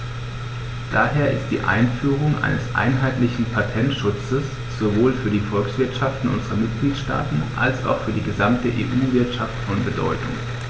Daher ist die Einführung eines einheitlichen Patentschutzes sowohl für die Volkswirtschaften unserer Mitgliedstaaten als auch für die gesamte EU-Wirtschaft von Bedeutung.